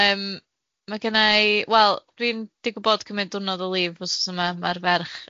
Yym, ma genna i, wel dwi'n digwydd bod cymyd dwrnod o lîf wsos yma, ma'r ferch